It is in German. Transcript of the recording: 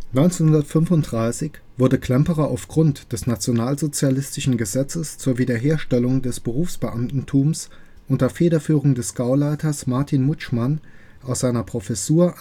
1935 wurde Klemperer auf Grund des nationalsozialistischen Gesetzes zur Wiederherstellung des Berufsbeamtentums unter Federführung des Gauleiters Martin Mutschmann aus seiner Professur